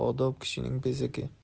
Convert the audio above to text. odob kishining bezagi